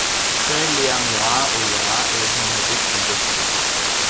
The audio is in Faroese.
serliga mjá og lág er hon har bygdin liggur